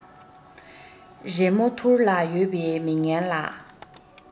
རི མོ ཐུར ལ ཡོད པའི མི ངན ལ